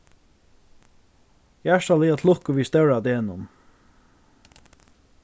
hjartaliga til lukku við stóra degnum